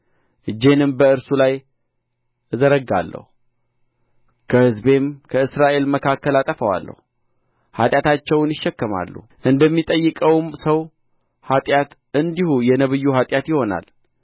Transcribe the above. እጄንም በእርሱ ላይ እዘረጋለሁ ከሕዝቤም ከእስራኤል መካከል አጠፋዋለሁ ኃጢአታቸውን ይሸከማሉ እንደሚጠይቀውም ሰው ኃጢአት እንዲሁ የነቢዩ ኃጢአት ይሆናል